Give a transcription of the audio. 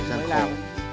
khó